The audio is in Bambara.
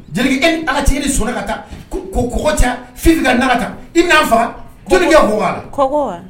e ni Ala cɛ e de sɔnna ka taa kɔgɔ caya Fifi ka nan la tan i bɛ na n faga